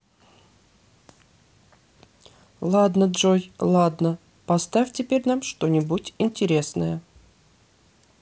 ладно джой ладно поставь теперь нам что нибудь интересное